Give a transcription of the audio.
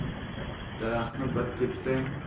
daraxtni bir tepsang